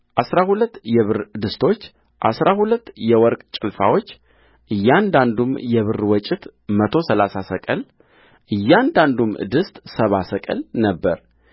አሥራ ሁለት የወርቅ ጭልፋዎችእያንዳንዱም የብር ወጭት መቶ ሠላሳ ሰቅል እያንዳንዱም ድስት ሰባ ሰቅል ነበረ